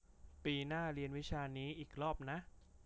ปีหน้าเรียนวิชานี้อีกรอบนะ